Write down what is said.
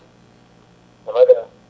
mawɗum ni